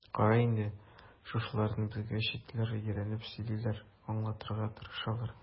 Кара инде, шушыларны безгә читләр өйрәнеп сөйлиләр, аңлатырга тырышалар.